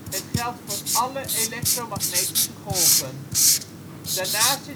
het geldt voor alle elektromagnetische golven. Daarnaast